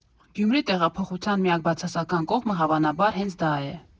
Գյումրի տեղափոխության միակ բացասական կողմը հավանաբար հենց դա է.